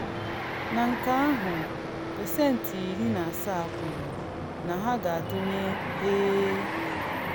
Na nke ahụ, pasentị 70 kwuru na ha ga-atụnye ee.